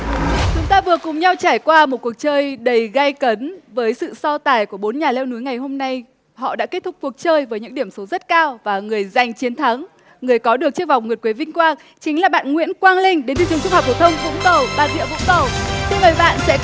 chúng ta vừa cùng nhau trải qua một cuộc chơi đầy gay cấn với sự so tài của bốn nhà leo núi ngày hôm nay họ đã kết thúc cuộc chơi với những điểm số rất cao và người giành chiến thắng người có được chiếc vòng nguyệt quế vinh quang chính là bạn nguyễn quang linh đến từ trường trung học phổ thông vũng tàu bà rịa vũng tàu xin mời bạn sẽ